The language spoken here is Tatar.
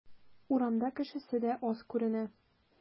Урамда кешесе дә аз күренә.